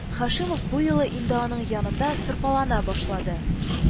Һашимов бу юлы инде аның янында сырпалана башлады